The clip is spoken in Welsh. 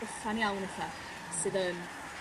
bychan iawn ella, sydd yn